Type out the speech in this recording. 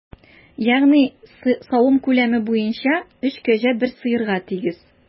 Ягъни савым күләме буенча өч кәҗә бер сыерга тигез.